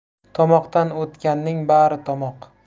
tomoqdan o'tganning bari tomoq